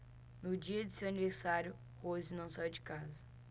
no dia de seu aniversário rose não saiu de casa